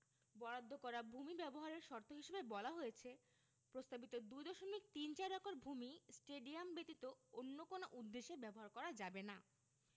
বরাদ্দ করা ভূমি ব্যবহারের শর্ত হিসেবে বলা হয়েছে প্রস্তাবিত ২ দশমিক তিন চার একর ভূমি স্টেডিয়াম ব্যতীত অন্য কোনো উদ্দেশ্যে ব্যবহার করা যাবে না